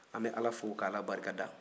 an bɛ ala fo ka ala barika da